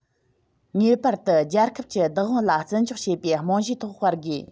ངེས པར དུ རྒྱལ ཁབ ཀྱི བདག དབང ལ བརྩི འཇོག བྱེད པའི རྨང གཞིའི ཐོག སྤེལ དགོས